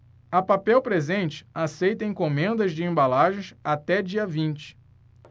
a papel presente aceita encomendas de embalagens até dia vinte